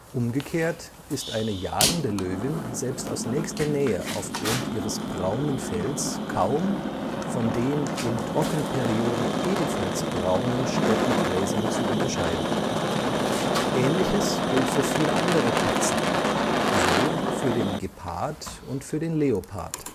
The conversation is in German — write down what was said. Umgekehrt ist eine jagende Löwin selbst aus nächster Nähe aufgrund ihres braunen Fells kaum von den in Trockenperioden ebenfalls braunen Steppengräsern zu unterscheiden. Ähnliches gilt für viele andere Katzen, so für den Gepard und für den Leopard